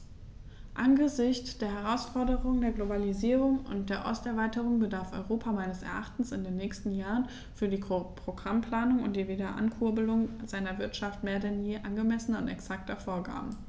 Angesichts der Herausforderung der Globalisierung und der Osterweiterung bedarf Europa meines Erachtens in den nächsten Jahren für die Programmplanung und die Wiederankurbelung seiner Wirtschaft mehr denn je angemessener und exakter Vorgaben.